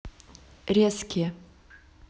резкие